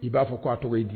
I b'a fɔ k'a tɔgɔ ye di?